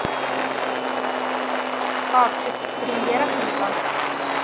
хавчик премьера клипа